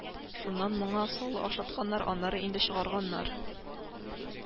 Шуннан моңа сало ашатканнар, аннары инде чыгарганнар